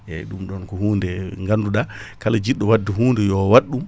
eyyi ɗum ɗon ko hude ganduɗa kala jidɗo wadde hude yo watɗum